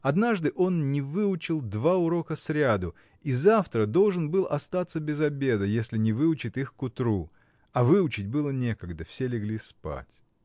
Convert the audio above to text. Однажды он не выучил два урока сряду и завтра должен был остаться без обеда, если не выучит их к утру, а выучить было некогда, все легли спать.